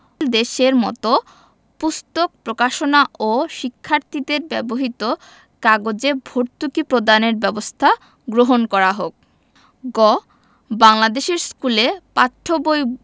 দেশের মত পুস্তক প্রকাশনা ও শিক্ষার্থীদের ব্যবহৃত কাগজে ভর্তুকি প্রদানের ব্যবস্থা গ্রহণ করা হোক গ বাংলাদেশের স্কুলে পাঠ্য বই